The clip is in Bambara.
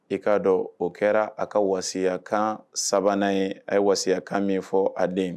I k'a dɔn o kɛra a ka waya kan sabanan ye a ye wayakan min fɔ a den